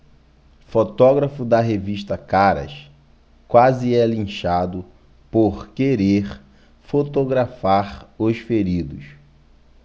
fotógrafo da revista caras quase é linchado por querer fotografar os feridos